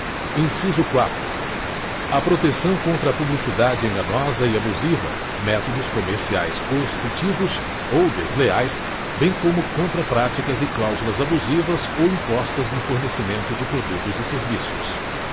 inciso quatro a proteção contra a publicidade enganosa e abusiva métodos comerciais coercitivos ou desleais bem como contra práticas e cláusulas abusivas ou impostas no fornecimento de produtos e serviços